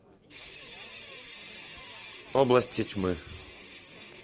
области тьмы